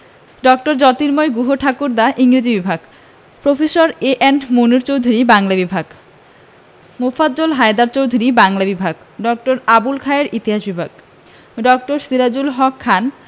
ড জ্যোতির্ময় গুহঠাকুরদা ইংরেজি বিভাগ প্রফেসর এ.এন মুনীর চৌধুরী বাংলা বিভাগ মোফাজ্জল হায়দার চৌধুরী বাংলা বিভাগ ড. আবুল খায়ের ইতিহাস বিভাগ ড. সিরাজুল হক খান